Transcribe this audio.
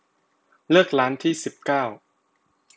เลือกร้านที่สิบเก้า